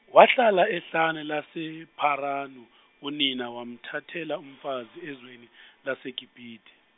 wahlala ehlane lasePharanu, unina wamthathela umfazi ezweni laseGibithe.